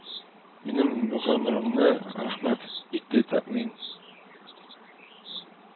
Минем гомремне, рәхмәт, итте тәэмин